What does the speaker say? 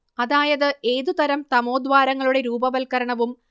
അതായത് ഏതുതരം തമോദ്വാരങ്ങളുടെ രൂപവത്കരണവും